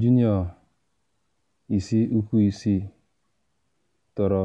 Junịọ 6-ụkwụ-6 toro